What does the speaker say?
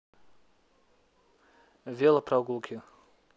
велопрогулки